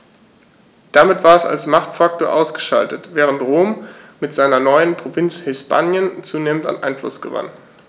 Damit war es als Machtfaktor ausgeschaltet, während Rom mit seiner neuen Provinz Hispanien zunehmend an Einfluss gewann.